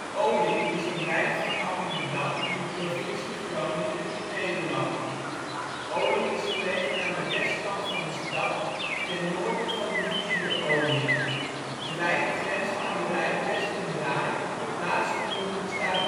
Oling is een wijk van Appingedam in de provincie Groningen in Nederland. Oling is gelegen aan de westkant van de stad, ten oosten van de wierde Oling. De wijk grenst aan de wijk Westerdraai, laatstgenoemde bestaat